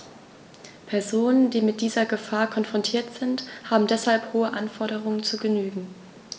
Personen, die mit dieser Gefahr konfrontiert sind, haben deshalb hohen Anforderungen zu genügen.